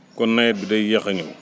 kon nawet bi day yéex a ñëw